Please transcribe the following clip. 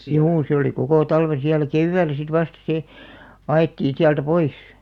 juu se oli koko talven siellä keväällä sitten vasta se ajettiin sieltä pois